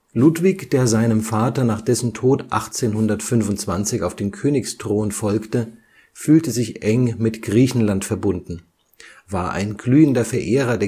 Ludwig, der seinem Vater nach dessen Tod 1825 auf den Königsthron folgte, fühlte sich eng mit Griechenland verbunden, war ein glühender Verehrer